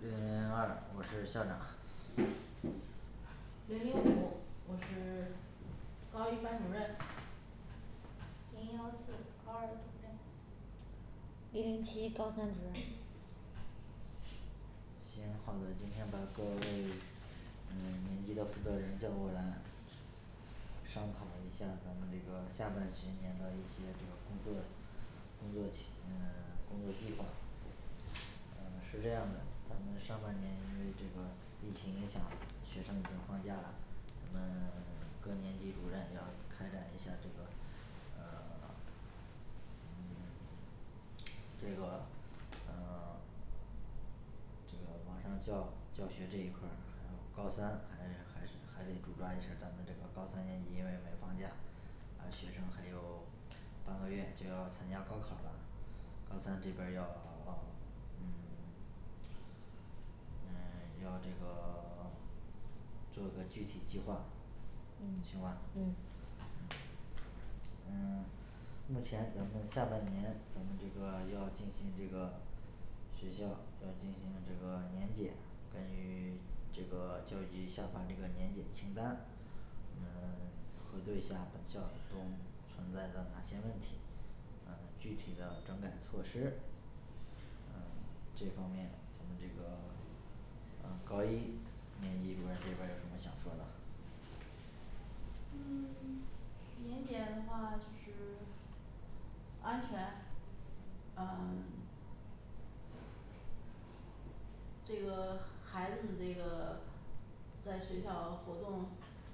零零二我是校长零零五我是 高一班主任零幺四高二主任零零七高三主任行好的今天的各位嗯年级的负责人叫过来商讨一下咱们这个下半学年的一些这个工作工作期嗯 工作计划呃是这样的，咱们上半年因为这个疫情影响，学生已经放假了我们跟年级主任要开展一下这个呃 嗯 这个呃 这个网上教教学这一块儿还有高三还还是还得主抓一下儿，咱们这个高三年级因为没放假，啊学生还有半个月就要参加高考了高三这边儿要 要嗯 嗯 要这个 做个具体计划嗯行吧嗯嗯目前咱们下半年咱们这个要进行这个学校要进行这个年检，关于这个教育局下发这个年检清单嗯 核对一下本教育中存在的哪些问题嗯具体的整改措施，嗯这方面咱们这个嗯高一年级主任这边儿有什么想说的嗯年检的话就是安全嗯 这个孩子这个 在学校活动，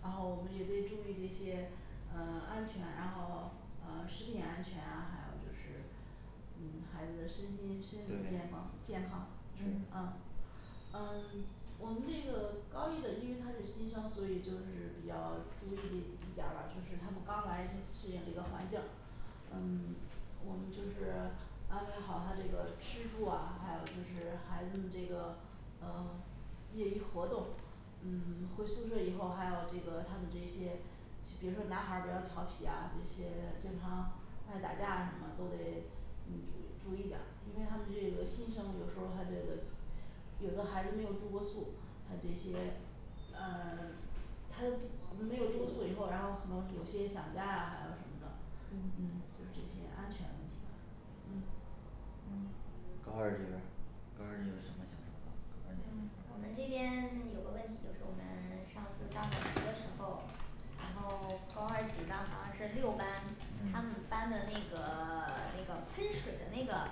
然后我们也得注意这些嗯安全然后呃食品安全还有就是嗯孩子身心身里健对方健康是啊嗯我们这个高一的因为他是新生所以就是比较注意的一点儿吧，就是他们刚来嗯 适应这个环境嗯我们就是安排好她这个吃住啊还有就是孩子们这个嗯业余活动嗯回宿舍以后还有这个他们这些先别说男孩比较调皮啊这些经常爱打架什么都得嗯注注意点儿因为他们这个新生有时候他这个有的孩子没有住过宿，他这些呃 他都不没有住过宿以后然后可能有些想家呀还有什么的嗯嗯就是这些安全问题吧嗯嗯高二这边儿高二有什么想说的嗯嗯我们这边有个问题就是我们上次大扫除的时候然后高二几班好像是六班，他们嗯班的那个 那个喷水的那个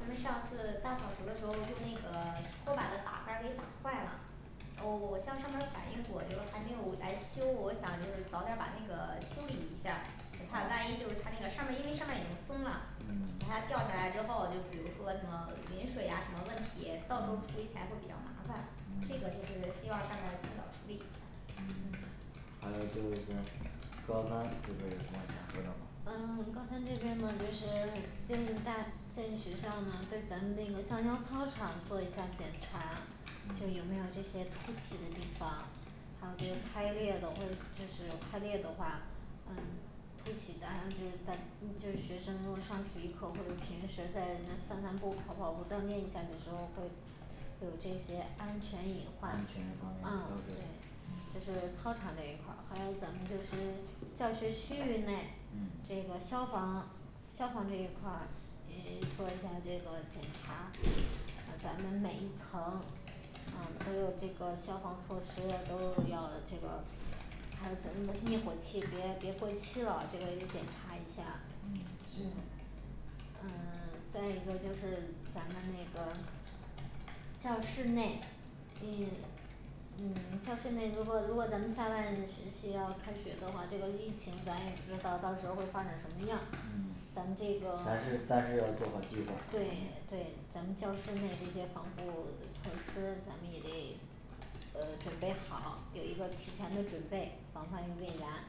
他们上次大扫除的时候用那个拖把的把杆儿给打坏了呃我我向上面儿反映过就还没有来修，我想就是早点儿把那个修理一下，我怕万一就是他那个上面儿因为上面儿已经松了嗯 把它掉下来之后，就比如说什么淋水呀什么问题，到时候处理起来会比较麻烦，这个就嗯是希望上面儿尽早处理一下。嗯还有就是说高三这边儿有什么要说的吗嗯高三这边感觉是对大对学校呢对咱们这个橡胶操场做一下检查就有没有这些凸起的地方放着开裂的就是开裂的话嗯凸起的还有就是在就是学生如果上体育课或者平时在散散步跑步锻炼一下，有时候会有这些安全隐患安全，这方啊面就是操场这一块儿，还有咱们教学教学区域内这个消防消防这一块儿嗯做一下这个检查咱们每一层嗯都有这个消防措施都要这个灭火器别别过期了这个又检查一下嗯嗯行嗯嗯 再一个就是咱们那个教室内嗯 嗯教室内如果如果咱们下半学期要开学的话，这个疫情咱也不知道到时候儿会发展什么样，咱们这个还是但是要做好计划 对对咱们教室内这些防护措施，咱们也得呃准备好，有一个提前的准备，防范于未然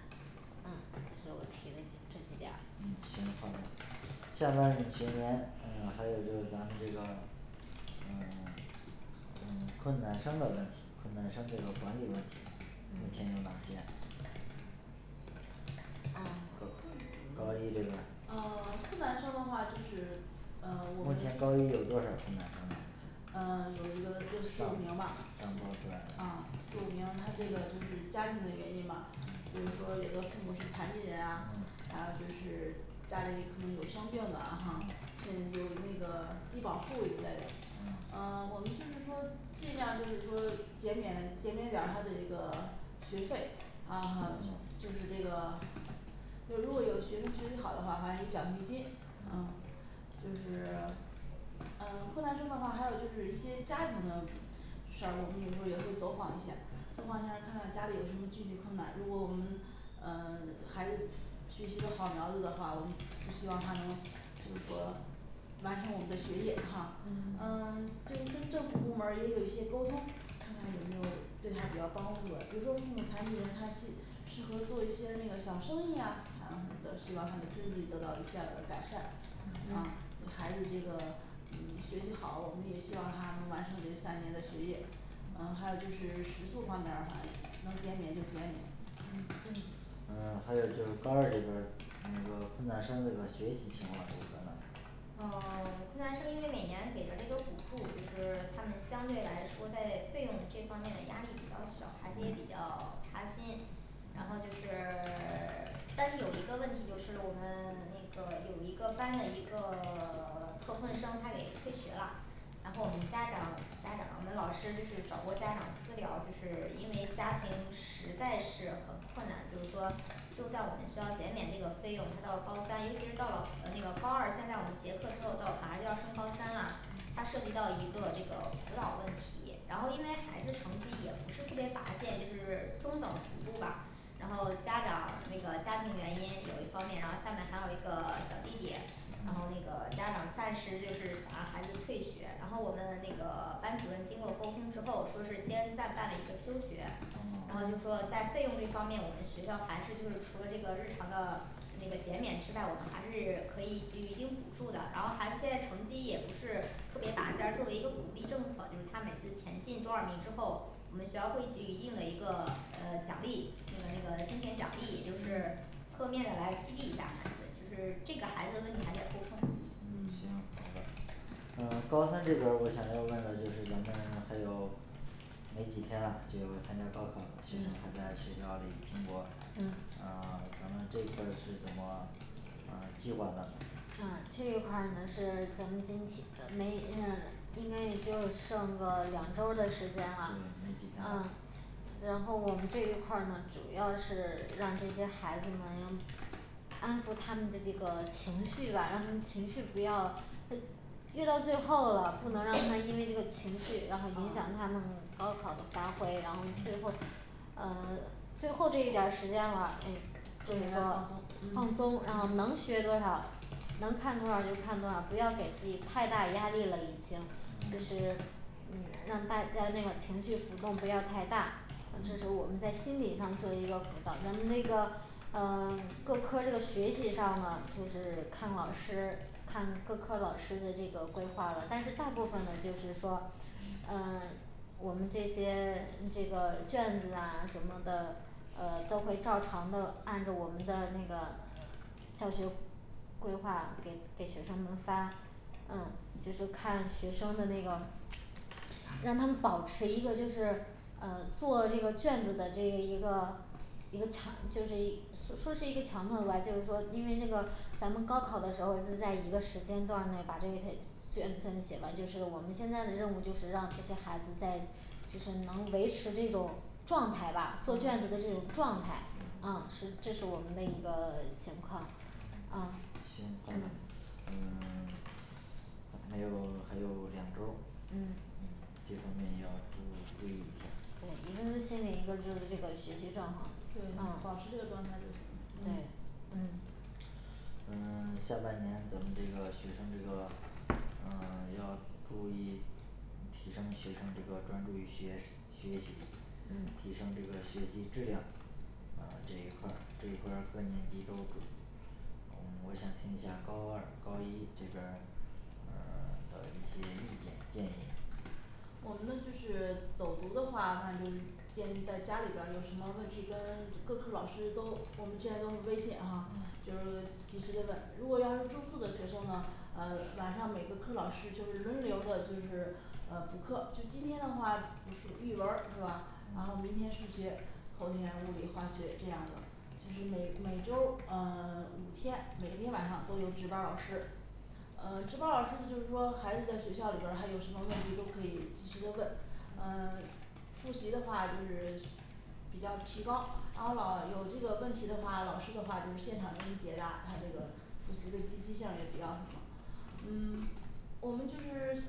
嗯就是我提嘞这几点儿。嗯行好。 下半学年嗯还有就是咱们这个嗯 困难生的问题，困难生这个管理问题，目前有哪些啊高一这边儿呃 困难生的话就是呃我目们前高一有多少困难生嗯有一个就四五名吧，啊四五名他这个就是家庭的原因吧。嗯比如说有的父母是残疾人啊还有就是家里可能有生病的吭，现在有那个低保户一类的啊我们就是说尽量就是说减免减免点他的一个学费，啊还有就就是这个就如果有学生学习好的话，反正有奖学金嗯就是嗯困难生的话还有就是一些家庭的时而我们有时候也会走访一下，走访一下看看家里有什么具体困难，如果我们呃 孩子学习的好苗子的话，我们不希望他能就是说完成我们的学业哈，嗯 对于跟政府部门儿也有一些沟通，看看有没有对他比较帮助的就是说父母残疾人他是适合做一些那个小生意呀，还有什么的，希望他的经济得到一下的改善，啊嗯对孩子这个嗯学习好，我们也希望他能完成这三年的学业嗯还有就是食宿方面儿反正能减免就减嗯嗯免。呃还有就是高二这边儿那个困难生这个学习情况如何呢？啊那是因为每年给的那个补助，也就是他们相对来说在费用这方面的压力比较小，孩子也比较开心然后就是 但是有一个问题就是我们那个有一个班的一个 特困生他给退学啦然后我们家长家长我们老师就是找过家长私聊，就是因为家庭实在是很困难就是说就算我们需要减免这个费用，他到高三尤其是到了那个高二，现在我们结课之后都马上就要升高三了他涉及到一个这个辅导问题，然后因为孩子成绩也不是特别拔尖，就是中等幅度吧然后家长那个家庭原因有一方面，然后下面还有一个小弟弟然后那个家长暂时就是想让孩子退学，然后我们的那个班主任经过沟通之后说是先暂办了一个休学然后就是说在费用这方面，我们学校还是就是除了这个日常的那个减免之外，我们还是可以给予一定补助的然后孩子现在成绩也不是特别拔尖儿，作为一个鼓励政策，就是他每次前进多少名之后我们校儿会给予一定的一个呃奖励那个那个金钱奖励，也就是侧面的来激励一下孩子，就是这个孩子问题还在沟通。嗯行，好的嗯高三这种我想要问的就是咱们还有嗯呃计划呢呃这块儿呢是咱们今天没嗯应该就剩个两周儿的时间了，嗯嗯然后我们这一块呢主要是让这些孩子们安抚他们的这个情绪吧让他们情绪不要越到最后了不能让他 们因为这个情绪 ，然后影响哦他们高考的发挥然后最后呃 最后这一点儿时间了就就应是该说放松放松，然后能学多少，能看多少就看多少，不要给自己太大压力了已经就是嗯让大家那个情绪浮动不要太大，这是我们在心理上做一个辅导。因为这个呃各科这个学习上呢就是看老师看各科老师的那个规划了，但是大部分呢就是说呃我们这些这个卷子呐什么的呃都会照常的按着我们的那个教学规划给给学生们发嗯就是看学生们那个让他们保持一个就是呃做那个卷子的这一个一个强一说说是一个强迫的，就是说因为那个咱们高考的时候是在一个时间段儿内把这些真的写完就是我们现在的任务，就是让这些孩子在就是能维持这种状态吧做卷嗯子的这种状态，啊这是我们的一个情况。嗯啊行，好的嗯 还有还有两周儿。嗯嗯这方面要注意注意一下，对一个是心理，一个就是这个学习状况对啊保持这个状态就行了对嗯呃下半年咱们这个学生这个呃要注意提升学生这个专注于学学习&嗯&，提升这个学习质量啊这一块儿这一块儿各年级都嗯我想听一下高二高一这边嗯的一些意见建议我们呢就是走读的话，反正建议在家里边有什么问题跟各科老师都，我们之前都是微信哈就是及时的问，如果要是住宿的学生呢呃晚上每个科老师就是轮流的就是呃补课就是今天的话不是语文是吧然后明天数学，后天物理化学这样的就是每每周儿呃 五天，每天晚上都有值班儿老师呃值班老师就是说孩子在学校里边还有什么问题都可以及时的问，嗯复习的话就是比较提高，然后老有这个问题的话老师的话现场给你解答，他这个复习的积极性也比较什么嗯我们就是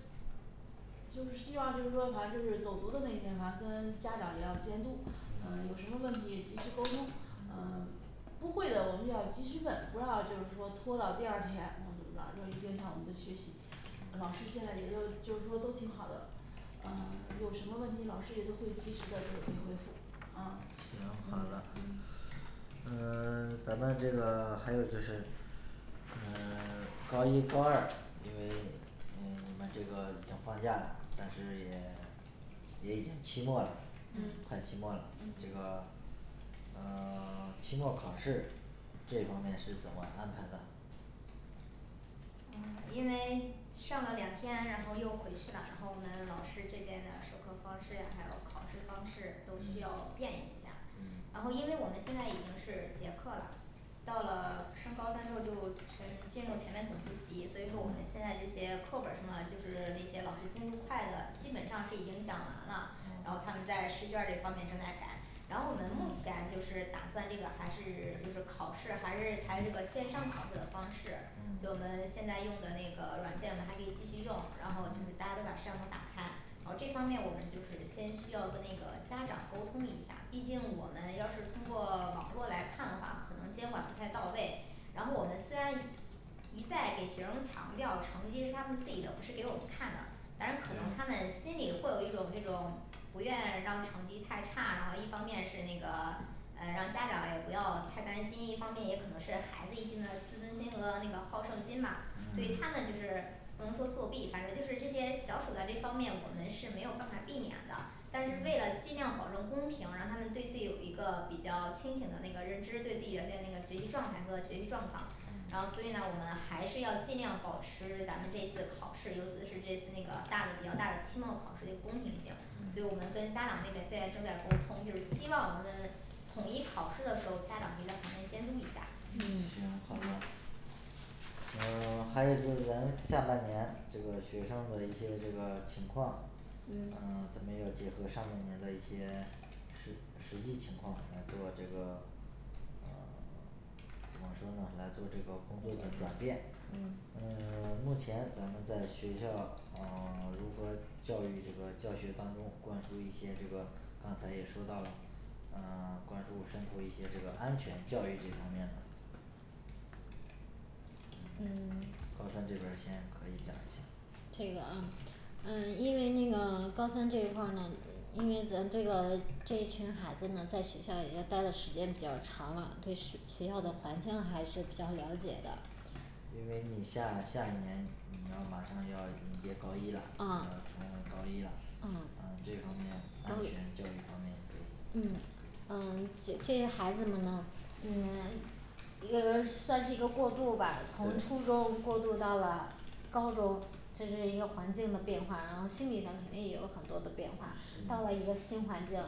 就是希望就是说反正就是走读的那些，反正跟家长也要监督，呃有什么问题及时沟通呃呃 有什么问题老师也都会及时的就是给回复啊行好的嗯嗯 咱们这个还有就是嗯 高一高二那个就因为你们这个已经放假了，但是也 诶期末了嗯快期末了嗯这个呃 期末考试这方面是怎么安排的嗯因为上了两天然后又回去了，然后我们老师这边的授课方式还有考试方式都需要变一下嗯然后因为我们现在已经是结课了然后我们目前就是打算这个还是就是考试还是这个线上考试的方式就我们现在用的那个软件嘛还可以继续用然后就是大家都把摄像头打开，好这方面我们就是先需要跟那个家长沟通一下，毕竟我们要是通过网络来看的话，可能监管不太到位然后我们虽然一再给学生强调成绩是他们自己的，不是给我们看的，但是可能他们心里会有一种这种不愿让成绩太差然后一方面是那个呃让家长也不要太担心，一方面也可能是孩子一心的自尊心和好胜心吧所以他们就是不能说作弊，反正这些小手段这方面我们是没有办法避免的但是嗯为了尽量保证公平，让他们对自己有一个比较清醒的那个认知对自己的现在那个学习状态和学习状况然后所以呢我们还是要尽量保持咱们这次考试，尤其是这次那个大的比较大的期末考试的公平性嗯所以我们跟家长那边现在正在沟通，就是希望我们统一考试的时候，家长可以在旁边监督一下，嗯行，好的嗯呃 还有就是咱下半年这个学生的这个一些情况嗯咱们要结合上半年的一些实实际情况来做这个嗯怎么说呢来做这个工作的转变嗯嗯 目前咱们在学校啊 如何教育这个教学当中关注一些这个刚才也说到了啊 关注渗透一些这个安全教育这方面的嗯高三这边儿先可以讲一下因为你下下一年你要马上要迎接高一了，要啊成为高一了，嗯嗯这方面安全教育方面你可以嗯嗯这些孩子们的吗嗯一个算是一个过渡吧，从对初中过渡到了高中，这是一个环境的变化，然后心理上肯定也有很多的变化是，到了一个新环境，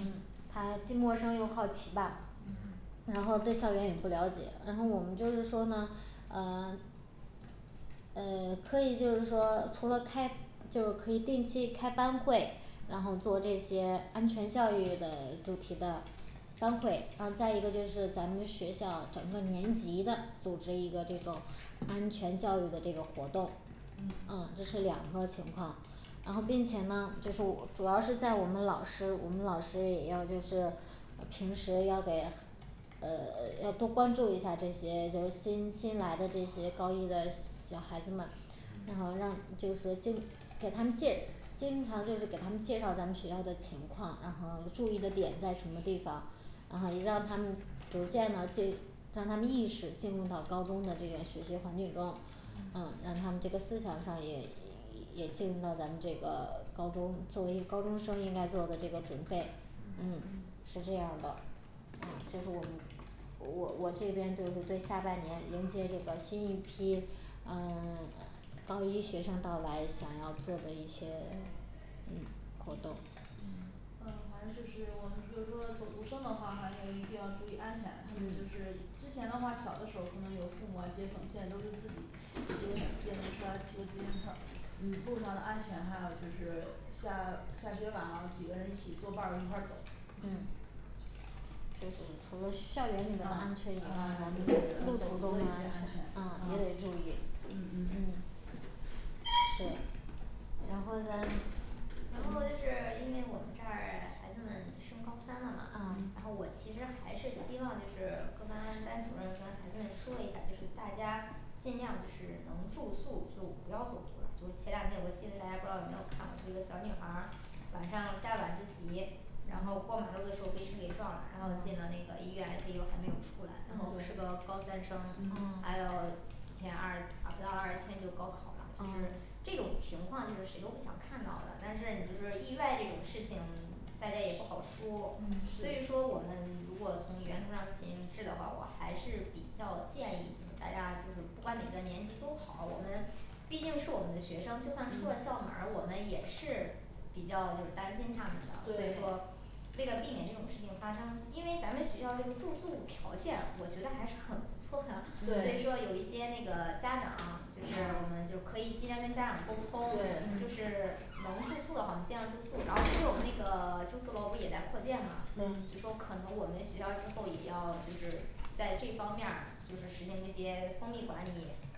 嗯他既陌生又好奇吧，&嗯&然后对校园也不了解然后我们就是说呢呃呃可以就是说除了开就是可以定期开班会然后做这些安全教育的主题的班会，那再一个就是咱们学校整个年级的组织一个这种安全教育的这个活动嗯啊这是两个情况，然后并且呢这是我主要是在我们老师我们老师也要就是平时要给呃要多关注一下这些新来的这些高一的小孩子们然后让就是说经给他们介经常给他们介绍咱们学校的情况，然后注意的点在什么地方然后也让他们逐渐的进让他们意识进入到高中的这种学习环境中，让他们这个思想上也也进入到咱这个高中，作为高中生应该做的这个准备。嗯是这样的呃这是我们我我这边对对下半年迎接这个新一批啊 高一学生到来想要做的一些嗯活动嗯一个是电动车骑个自行车儿，路上的安全，还有就是下下学晚了，几个人一起作伴儿一块儿走嗯就是除了校园里的安嗯全还有隐患就是走读一些安全啊也得注嗯意嗯嗯嗯对然后呢然后就是因为我们这儿孩子们升高三了嘛，啊嗯然后我其实还是希望就是各班班主任跟孩子们说一下，就是大家尽量就是能住宿就不要走读了，就是前两天有个新闻大家不知道有没有看过，一个小女孩儿晚上下晚自习，然后过马路的时候被车给撞了，然后嗯进了那个医院I C U还没有出来，然后是对嗯个高三生嗯还有几天啊二啊不到二十天就高考了，就是哦这种情况就是谁都不想看到的，但是你就是意外这种事情大家也不好说嗯，所，以是说我们如果从源头上进行治的话，我还是比较建议大家就是不管哪个年级都好我们，毕竟是我们的学生，就算出嗯了校门儿，我们也是比较就是担心他们的，所以对说为了避免这种事情发生，因为咱们学校这个住宿条件我觉得还是很所以对说有一些那个家长就是我们就可以尽量跟家长沟通对，就是能住宿的话我们尽量住宿，然后最近我们那个住宿楼不也在扩建吗嗯就说可能我们学校之后也要就是在这方面儿就是实行这些封闭管理，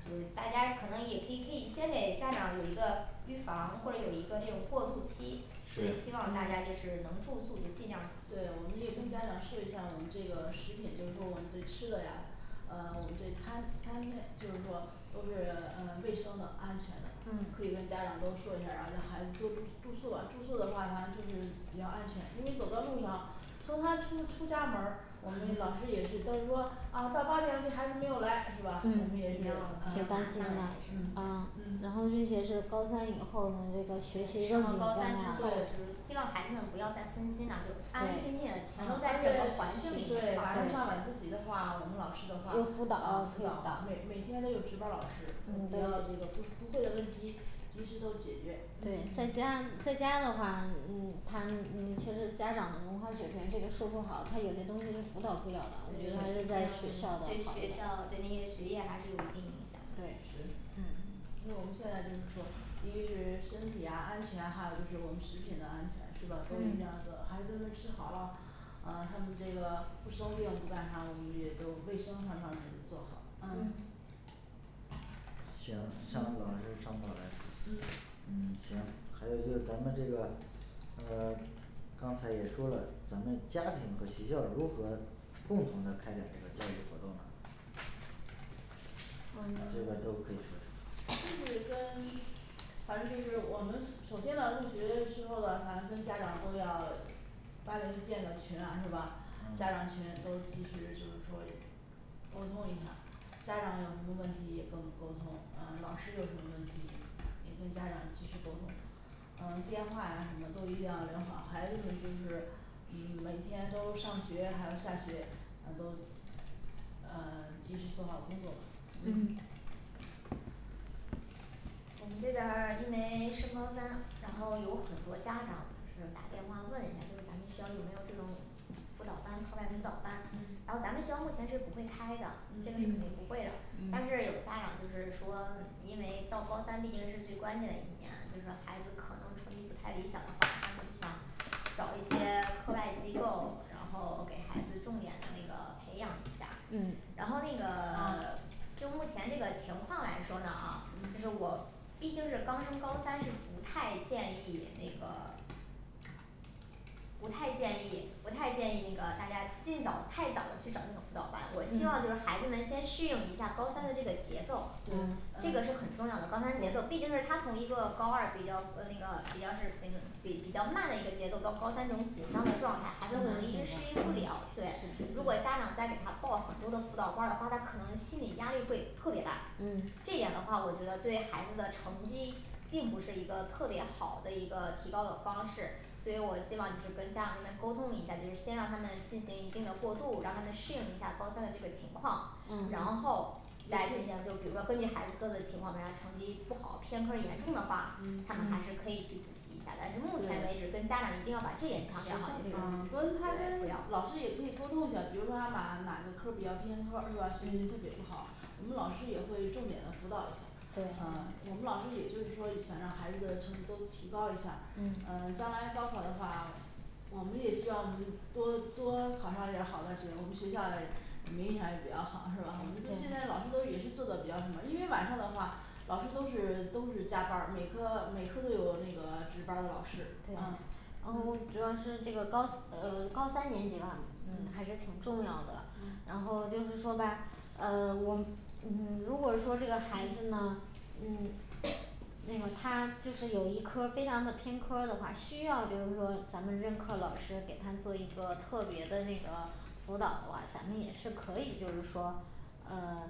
就是大家可能也可以可以先给家长有一个预防或者有一个这种过渡期所以是希望大家是能住宿就尽量对我们也跟家长说一下，我们这个食品就是说我们对吃的呀嗯我们这餐餐厅就是说都是呃卫生的安全的，可嗯以跟家长都说一下，然后让孩子都住住宿吧住宿的话反正就是比较安全，因为走到路上从他出出家门儿，我们老师也是都是说啊到八点了，这孩子没有来是吧？我嗯们也比是较比较嗯担心嗯他啊然后并且是高三以后呢这个学习升更了紧张高三啦之后就是希望孩子们不要再分心啦就安安静静能够嗯在整个环境里对晚上上晚自习的话，我们老师的话做辅导啊辅导每每天都有值班儿老师比较这个不不会的问题及时都解决对在家在家的话嗯他们你求求家长的文化水平这个说不好，他有些东西是辅导不了的，在学校的对好一学点校对那些学业还是有一定影响对是嗯嗯那我们现在就是说一是身体啊安全还有就是我们食品的安全是吧？都一定嗯要做，孩子们吃好了呃他们这个不生病不干啥，我们也都卫生方面都做好&嗯&嗯行，下课老师商讨类嗯行还有就是咱们这个呃刚才也说了咱们家庭和学校如何共同的来开展这个教育活动呢嗯这个都可以说说就是跟反正就是我们首先那入学时候的，反正跟家长都要班里头建个群啊是吧？家长群都及时就是说沟通一下，家长有什么问题跟我们沟通，嗯老师有什么问题也跟家长及时沟通呃电话呀什么的都一定要留好，孩子们就是嗯每天都上学，还有下学，反正都呃及时做好工作吧嗯嗯我们这边儿因为升高三，然后有很多家长是打电话问一下就是咱们学校有没有这种辅导班课外辅嗯导班，嗯然后咱们学校目前是不会开的这个是肯定嗯不会的嗯但是有家长就是说因为到高三毕竟是最关键的一年，就是孩子可能成绩不太理想的话他们想找一些课外机构，然后给孩子重点的那个培养一下。嗯然后那个啊就目前这个情况来说呢，嗯就是我毕竟是刚升高三是不太建议那个不太建议不太建议那个大家尽早太早的去找那个辅导班，我希望嗯就是孩子们先适应一下高三的这个节奏对这个是嗯很重要的，高三节奏毕竟是他从一个高二比较呃那个比较是平比比较慢的一个节奏，到高三那种紧张的状态，孩子们一时适应不了对是 对如果家长再给他报很多的辅导班儿的话，他可能心理压力会特别大。嗯这样的话我觉得对孩子的成绩并不是一个特别好的一个提高的方式所以我希望就是跟家长那边沟通一下，就是先让他们进行一定的过渡，让他们适应一下高三的这个情况嗯然后来进行就比如说根据孩子各自的情况，比方说成绩不好偏科严重的话，嗯他们还是可以去补习一下但是目前对为止跟家长一定要把这一点强调好就是，不要嗯跟他他老师也可以沟通一下，比如说他把哪个科儿比较偏科儿是吧学习特别不好我们老师也会重点的辅导一下对嗯我们老师也就是说想让孩子的成绩都提高一下，&嗯&嗯将来高考的话，我们也希望我们多多考上一点儿好大学我们学校呃名义上也比较好是吧，我们就现在老师都也是做的比较什么，因为晚上的话老师都是都是加班，每科每科都有那个值班的老师嗯嗯嗯主要是这个高呃高三年级吧嗯还是挺重要的嗯然后就是说吧呃我如果说这个孩子那嗯那个他就是有一颗非常的偏科的话，需要就是说咱们任课老师给他做一个特别的那个辅导的话咱们也是可以就是说呃